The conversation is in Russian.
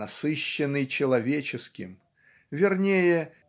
Насыщенный человеческим, вернее